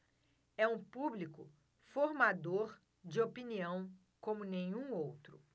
é um público formador de opinião como nenhum outro